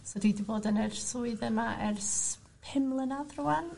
So dwi 'di bod yn yr swydd yma ers pum mlynadd rŵan.